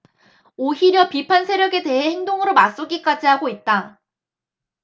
오히려 비판세력에 대해 행동으로 맞서기까지 하고 있다